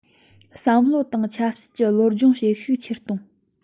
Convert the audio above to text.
བསམ བློ དང ཆབ སྲིད ཀྱི བློ སྦྱོང བྱེད ཤུགས ཆེར གཏོང